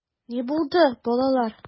Ни булды, балалар?